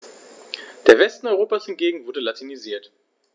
Der Westen Europas hingegen wurde latinisiert.